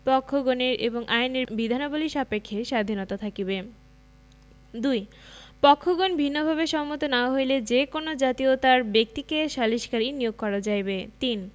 পক্ষগণের এবং আইনের বিধানবলী সাপেক্ষে স্বাধীনতা থাকিবে ২ পক্ষগণ ভিন্নভাবে সম্মত না হইলে যে কোন জাতীয়তার ব্যক্তিকে সালিসকারী নিয়োগ করা যাইবে ৩